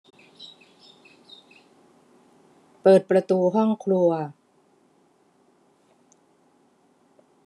เปิดประตูห้องครัว